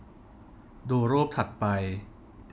ดูรูปถัดไป